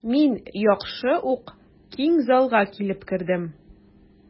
Мин яхшы ук киң залга килеп кердем.